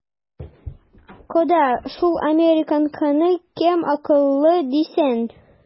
Кода, шул американканы кем акыллы дисен?